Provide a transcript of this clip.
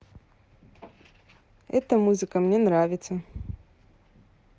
мне эта музыка нравится